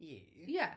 Ie... Ie.